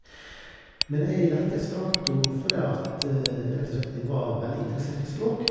Men jeg lærte esperanto fordi at rett og slett jeg var veldig interessert i språk.